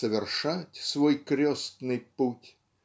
совершать свой крестный путь